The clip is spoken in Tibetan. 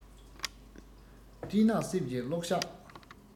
སྤྲིན ནག གསེབ ཀྱི གློག ཞགས